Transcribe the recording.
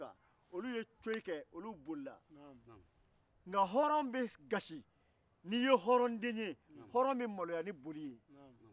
ni ma a kɛ i sinamuso ye dɛ ni i ye bɛ a ma a bɛ i dege tobilila a bɛ i dege musoya a bɛ i dege fɛn cama na i bɛ fɛn cama ɲɛsɔrɔ ale fɛn